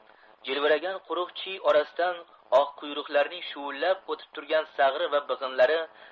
jilviragan quruq chiy orasidan oqquyumlarning shuvillab o'tib turgan sag'ri va biqinlari